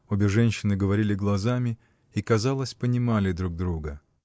Обе женщины говорили глазами и, казалось, понимали друг друга.